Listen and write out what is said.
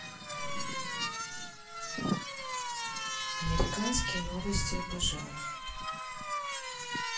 американские новости о пожарах